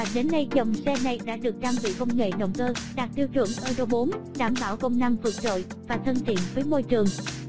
và đến nay dòng xe này đã được trang bị công nghệ động cơ đạt tiêu chuẩn euro đảm bảo công năng vượt trội và thân thiện với môi trường